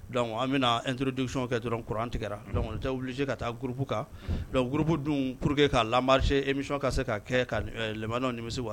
Don an bɛna antourudenwsiɔn kɛ dɔrɔn kurantigɛ wulisi ka taa gurup kan gurp dun kuruur que kaa la emis ka se ka kɛ la nimi se wa